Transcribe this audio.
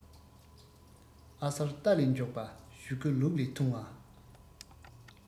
ཨ གསར རྟ ལས མགྱོགས པ ཞུ གུ ལུག ལས ཐུང བ